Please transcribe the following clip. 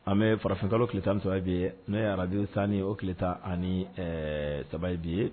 An bɛ farafinkalo tile 13 ye bi ye n'o ye rabihu saani o tile 13 bi ye